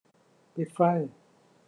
ปิดไฟ